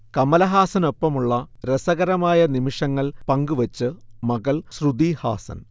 കമലഹാസനൊപ്പമുള്ള രസകരമായ നിമിഷങ്ങൾ പങ്കുവെച്ച് മകൾ ശ്രുതി ഹാസൻ